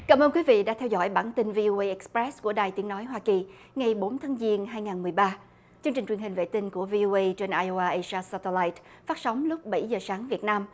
cảm ơn quý vị đã theo dõi bản tin vi ô ây ích pét của đài tiếng nói hoa kỳ ngày bốn tháng giêng hai ngàn mười ba chương trình truyền hình vệ tinh của vi ô ây trên ai ô a ê sa sa ta lai phát sóng lúc bảy giờ sáng việt nam